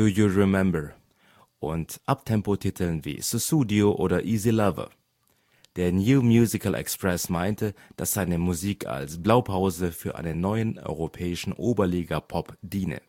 You Remember?) und Up-Tempo-Titeln wie Sussudio oder Easy Lover. Der New Musical Express meinte, dass seine Musik als „ …Blaupause für einen neuen europäischen Oberliga-Pop diene